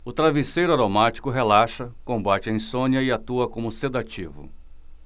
o travesseiro aromático relaxa combate a insônia e atua como sedativo